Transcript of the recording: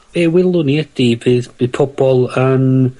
Be' welwn ni ydi bydd by' pobol yn...